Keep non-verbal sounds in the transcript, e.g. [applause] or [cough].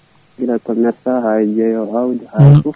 guila e premier pas :dea ha e jeeyowo awdi ha e foof [smacks lips]